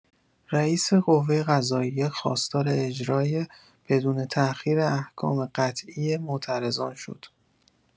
رئیس قوه‌قضائیه خواستار اجرای بدون تاخیر احکام «قطعی» معترضان شد.